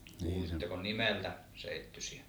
kuulitteko nimeltä seittyisiä